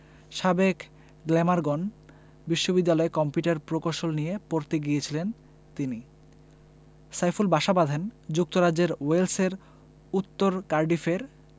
সাবেক গ্লামারগন বিশ্ববিদ্যালয়ে কম্পিউটার প্রকৌশল নিয়ে পড়তে গিয়েছিলেন তিনি সাইফুল বাসা বাঁধেন যুক্তরাজ্যের ওয়েলসের উত্তর কার্ডিফের